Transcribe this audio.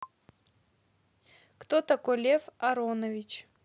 кто такой лев аронович